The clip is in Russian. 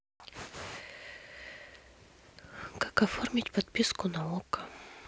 как оформить подписку на окко